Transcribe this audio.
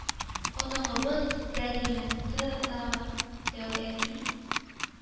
Оныгыбыз: “дяди менты да, дәү әти?”